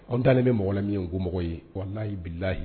Anw talen bɛ mɔgɔ min ye ko mɔgɔ ye wa n'yi ye bilalayi